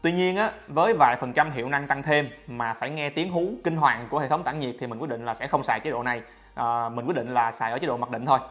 tuy nhiên với vài phần trăm hiệu năng tăng thêm mà phải nghe tiếng hú kinh hoàng của hệ thống tản nhiệt thì mình quyết định là sẽ không xài chế độ này mình quyết định là xài ở chế độ mặc định thôi